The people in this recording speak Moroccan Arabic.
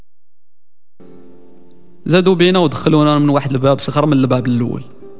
زادو بنود خلونا من واحده بس خرم الباب الاول